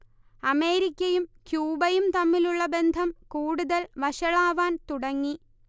അമേരിക്കയും ക്യൂബയും തമ്മിലുള്ള ബന്ധം കൂടുതൽ വഷളാവാൻ തുടങ്ങി